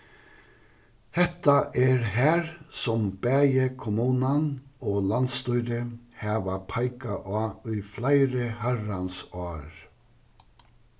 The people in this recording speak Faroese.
hetta er har sum bæði kommunan og landsstýrið hava peikað á í fleiri harrans ár